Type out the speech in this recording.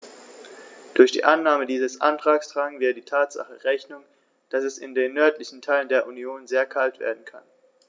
Durch die Annahme dieses Antrags tragen wir der Tatsache Rechnung, dass es in den nördlichen Teilen der Union sehr kalt werden kann.